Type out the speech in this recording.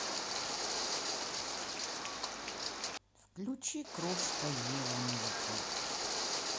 включи крошка ева на ютуб